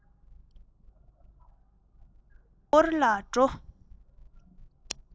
ཡུལ སྐོར ལ འགྲོ